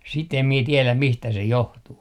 sitä en minä tiedä mistä se johtuu